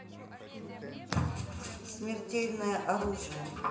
смертельное оружие